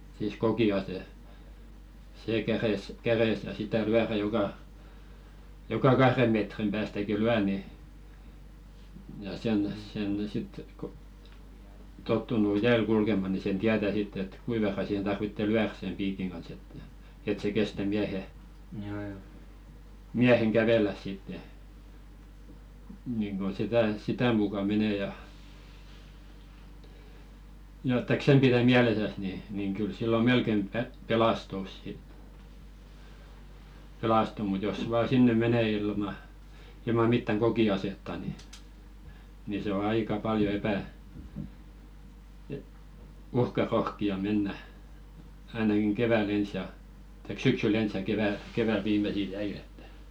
siis kokiase se kädessä kädessä sitä lyödä joka joka kahden metrin päästäkin lyö niin ja sen sen sitten kun on tottunut jäällä kulkemaan niin sen tietää sitten että kuinka verran siihen tarvitsee lyödä sen piikin kanssa että että se kestää miehen miehen kävellä sitten niin kuin sitä sitä mukaa menee ja ja että sen pidät mielessäsi niin niin kyllä silloin melkein - pelastut sitten pelastuu mutta jos vain sinne menee ilman ilman mitään kokiasetta niin niin se on aika paljon -- uhkarohkea mennä ainakin keväällä ensin ja tai syksyllä ensin ja keväällä viimeisillä jäillä että